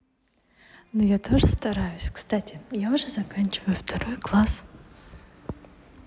ну я тоже стараюсь кстати я уже заканчиваю второй класс